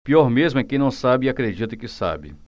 pior mesmo é quem não sabe e acredita que sabe